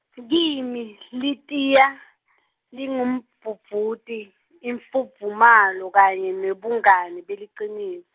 kimi, litiya, lingumdvudvuti, imfudvumalo kanye nebungani belicini-.